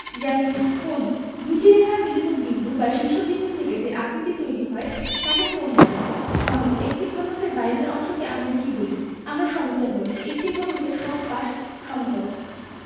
জ্যামিতিঃ কোণঃ দুইটি রেখার মিলিত বিন্দু বা শীর্ষ বিন্দু থেকে যে আকৃতি তৈরি হয় তাকে কোণ বলে ঘনকঃ একটি ঘনকের বাইরের অংশকে আমরা কী বলি আমরা সমতল বলি একটি ঘনকের সব পাশ সমতল